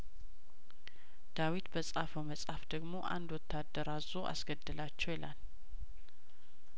ዳዊት በጻፈው መጽሀፍ ደግሞ አንድ ወታደር አዞ አስገደላቸው ይላል